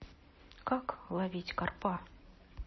как ловить карпа